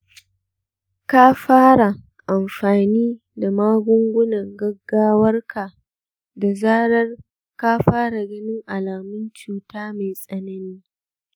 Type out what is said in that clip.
ka fara amfani da magungunan gaggawarka da zarar ka fara ganin alamun cuta mai tsanani.